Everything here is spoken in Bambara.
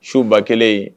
Suba kelen